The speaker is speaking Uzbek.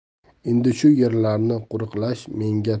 endi shu yerlarni qo'riqlash menga